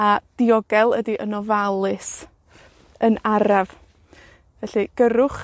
A diogel ydi yn ofalus, yn araf, felly gyrrwch